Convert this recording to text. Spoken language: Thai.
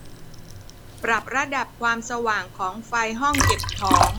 ปรับระดับความสว่างของไฟห้องเก็บของ